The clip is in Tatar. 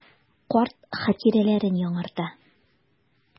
Карт хатирәләрен яңарта.